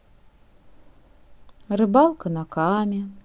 рыбалка на каме